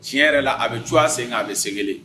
Tiɲɛ yɛrɛ la a bɛ cogoya a sen a bɛ sen